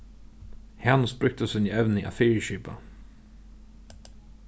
hanus brúkti síni evni at fyriskipa